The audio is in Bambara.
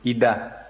i da